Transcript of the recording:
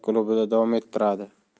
klubida davom ettiradi